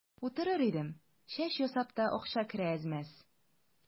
Утырыр идем, чәч ясап та акча керә әз-мәз.